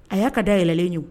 A y'a ka da yɛlɛlen ye wo!